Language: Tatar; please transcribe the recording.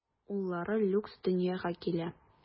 Уллары Люкс дөньяга килә.